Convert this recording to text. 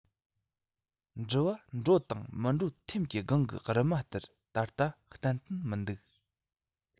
འགྲུལ པ འགྲོ དང མི འགྲོ ཐེམ པའི སྒང གི རིལ མ ལྟར ད ལྟ བརྟན བརྟན མི འདུག